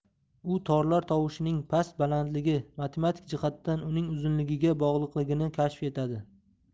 u torlar tovushining past balandligi matematik jihatdan uning uzunligiga bog'liqligini kashf etadi